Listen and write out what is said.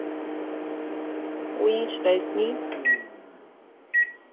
Ու ինչ տեսնի.